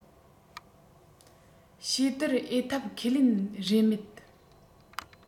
ཕྱིས བསྡུར འོས ཐོབ ཁས ལེན རེ མེད